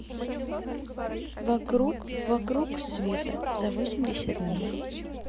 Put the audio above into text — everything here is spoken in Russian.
вокруг вокруг света за восемьдесят дней